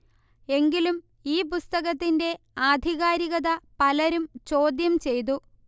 എങ്കിലും ഈ പുസ്തകത്തിന്റെ ആധികാരികത പലരും ചോദ്യം ചെയ്തു